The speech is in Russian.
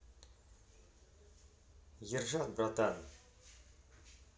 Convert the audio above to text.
ержан братан